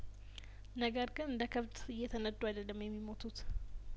ነገር ግን እንደከብት እየተነዱ አይደለም የሚሞቱት